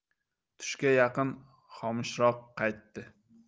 tushga yaqin xomushroq qaytdi